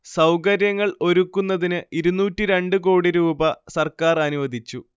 സൗകര്യങ്ങൾ ഒരുക്കുന്നതിന് ഇരുന്നൂറ്റി രണ്ട് കോടി രൂപ സർക്കാറനുവദിച്ചു